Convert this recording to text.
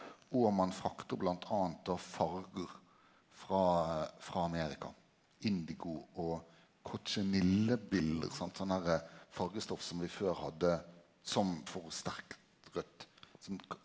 og ein fraktar bl.a. då fargar frå frå Amerika indigo og Cochenillebiller sant sånn derre fargestoff som vi før hadde som forsterka rødt .